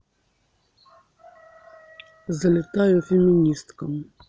залетаю феминисткам